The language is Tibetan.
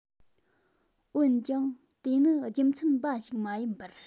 འོན ཀྱང དེ ནི རྒྱུ མཚན འབའ ཞིག མ ཡིན པར